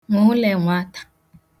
nwụ̀hụlè nwatà